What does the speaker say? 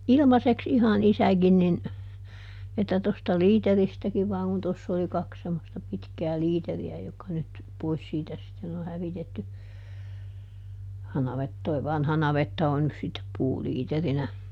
ilmaiseksi ihan isäkin niin että tuosta liiteristäkin vain kun tuossa oli kaksi semmoista pitkää liiteriä jotka nyt pois siitä sitten on hävitetty ja - tuo vanha navetta on nyt sitten puuliiterinä